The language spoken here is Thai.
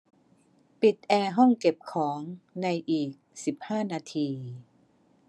ปิดแอร์ห้องเก็บของในอีกสิบห้านาที